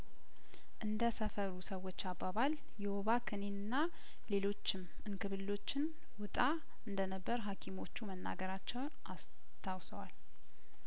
እንደ ሰፈሩ ሰዎች አባባል የወባ ክኒንና ሌሎችም እንክብሎችን ውጣ እንደነበር ሀኪሞቹ መናገራቸውን አስታውሰዋል